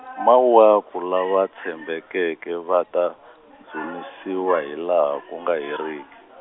mawaku lava tshembekeke va ta dzunisiwa hilaha ku nga heriki.